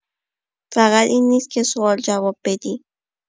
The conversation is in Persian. فقط این نیست که سوال جواب بدی.